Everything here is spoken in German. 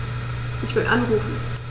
Ich will anrufen.